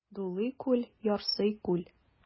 Дулый күл, ярсый күл.